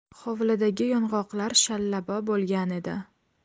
hovlidagi yong'oqlar shallabo bo'lgan edi